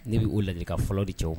Ne bɛ o ladilikan fɔlɔ di cɛw ma.